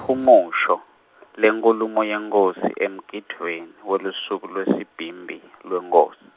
umusho, lenkhulumo yenkhosi emgidvweni, welusuku lwesibhimbi, lwenkhosi.